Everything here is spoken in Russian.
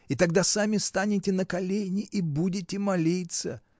и тогда сами станете на колени и будете молиться.